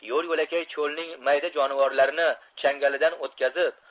u yo'l yo'lakay cho'lning may da jonivorlarini changalidan o'tkazib